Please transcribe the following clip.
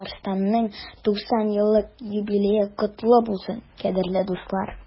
Татарстанның 90 еллык юбилее котлы булсын, кадерле дуслар!